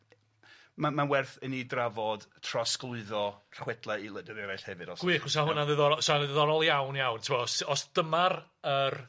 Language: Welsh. ma' ma'n werth i ni drafod trosglwyddo chwedlau i wledydd eraill hefyd os... Gwych, bysa hwnna'n ddiddorol, sa hwnna'n ddiddorol iawn, iawn, t'mo' os t- os dyma'r yr